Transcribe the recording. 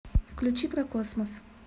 включи про космос